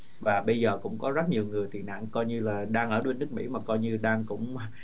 và bây giờ cũng có rất nhiều người tị nạn coi như là đang ở luôn nước mỹ mà coi như đang cũng